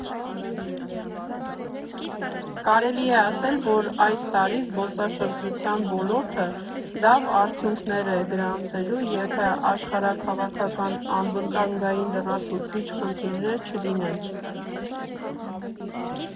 Կարելի է ասել, որ այս տարի զբոսաշրջության ոլորտը լավ արդյունքներ է գրանցելու, եթե աշխարհաքաղաքական անվտանգային լրացուցիչ խնդիրներ չլինեն։